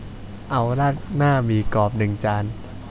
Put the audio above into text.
เอาราดหน้าหมี่กรอบหนึ่งจาน